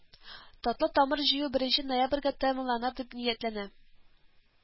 Татлы тамыр җыю беренче ноябрьгә тәмамланыр дип ниятләнә